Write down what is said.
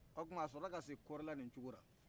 o tuma a sɔrɔla ka se kɔrɛ la nin cogo la